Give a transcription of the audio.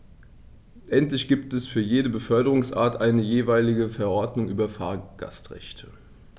Endlich gibt es jetzt für jede Beförderungsart eine jeweilige Verordnung über Fahrgastrechte.